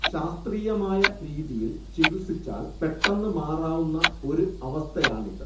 ശാസ്ത്രീയമായ രീതിയിൽ ചികിത്സിച്ചാൽ പെട്ടെന്നു മാറാവുന്ന ഒരു അവസ്ഥയാണിത്